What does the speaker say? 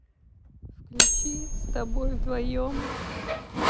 включи с тобой вдвоем